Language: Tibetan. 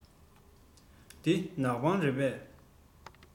འདི ནག པང རེད པས